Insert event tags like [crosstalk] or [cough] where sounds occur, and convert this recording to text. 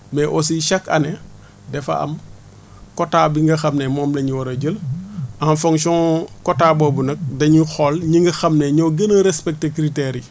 mais aussi chaque année dafa am quota bi nga xam ne moom la ñu war a jël [noise] en fonction quota boobu nag dañuy xool ñi nga xam ne ñoo gën a respecté critères yi